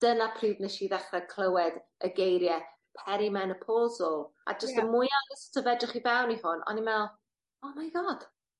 Dyna pryd wnesh i ddechre clywed y geirie peri-menopausal a jyst y mwy agos ta ty fedrwch chi ga'l i hwn, o'n i me'wl oh my God.